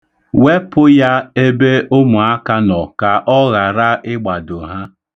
Wepụ ya ebe ụmụaka nọ ka ọ ghara ịgbado ha.